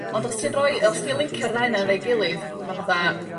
Ond os ti'n rhoi os ti'n lincio'r ddau 'na efo'i gilydd ma' fatha